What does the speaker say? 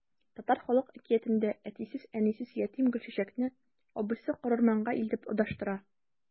Татар халык әкиятендә әтисез-әнисез ятим Гөлчәчәкне абыйсы карурманга илтеп адаштыра.